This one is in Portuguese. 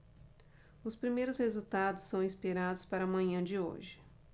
os primeiros resultados são esperados para a manhã de hoje